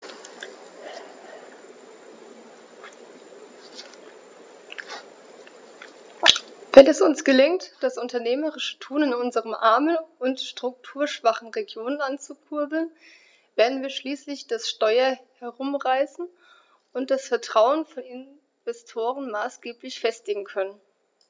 Wenn es uns gelingt, das unternehmerische Tun in unseren armen und strukturschwachen Regionen anzukurbeln, werden wir schließlich das Steuer herumreißen und das Vertrauen von Investoren maßgeblich festigen können.